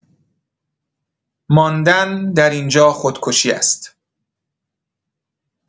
ماندن در این‌جا خودکشی است.